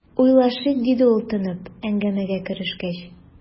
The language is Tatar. "уйлашыйк", - диде ул, тынып, әңгәмәгә керешкәч.